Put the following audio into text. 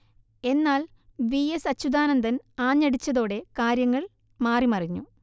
എന്നാൽ V S Achuthanandan ആഞ്ഞടിച്ചതോടെ കാര്യങ്ങൾ മാറി മറിഞ്ഞു